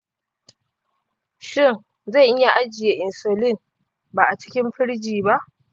shin zan iya ajiye insulin ba a cikin firiji ba?